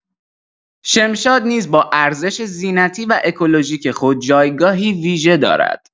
شمشاد نیز با ارزش زینتی و اکولوژیک خود جایگاهی ویژه دارد.